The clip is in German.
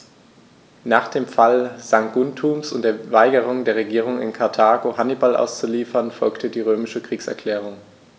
Nach dem Fall Saguntums und der Weigerung der Regierung in Karthago, Hannibal auszuliefern, folgte die römische Kriegserklärung.